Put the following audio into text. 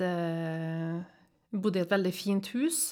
Bodde i et veldig fint hus.